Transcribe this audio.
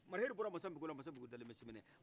mariheru bɔla masa npeku la masa npeku dalen bɛ sibinɛ